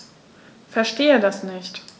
Verstehe das nicht.